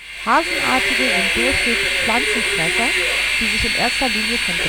Hasenartige sind durchweg Pflanzenfresser, die sich in erster Linie von Gräsern und Kräutern ernähren